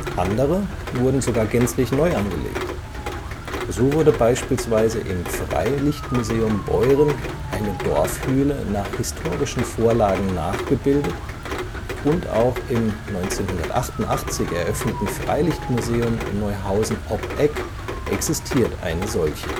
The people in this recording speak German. Andere wurden sogar gänzlich neu angelegt. So wurde beispielsweise im Freilichtmuseum Beuren eine Dorfhüle nach historischen Vorlagen nachgebildet und auch im 1988 eröffneten Freilichtmuseum Neuhausen ob Eck existiert eine solche